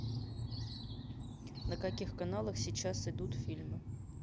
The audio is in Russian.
на каких каналах сейчас идут фильмы